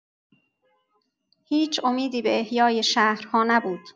هیچ امیدی به احیای شهرها نبود.